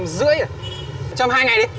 rưỡi à một trăm hai ngày đi